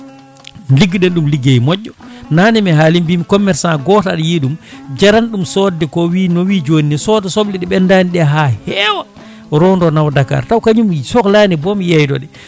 liggo ɗen ɗum ligguey moƴƴo nanne mi haali mbi commerçant goto aɗa yiiya ɗum jarana ɗum sodde ko wii no wii joni ni sooda soble ɗe ɓendani ɗe ha heewa rondo nawa Dakar taw kañum sohlani boom yeydoɗe